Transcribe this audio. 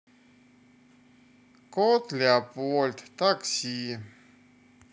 кот леопольд такси